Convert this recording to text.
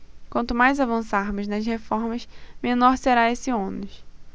quanto mais avançarmos nas reformas menor será esse ônus